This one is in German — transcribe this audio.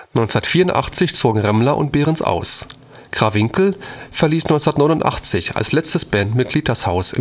1984 zogen Remmler und Behrens aus; Krawinkel verließ 1989 als letztes Bandmitglied das Haus